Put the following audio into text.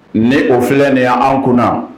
Ne o filɛ nin ye an kunna